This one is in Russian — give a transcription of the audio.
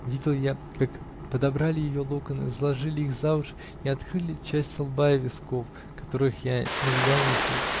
Видел я, как подобрали ее локоны, заложили их за уши и открыли части лба и висков, которых я не видал еще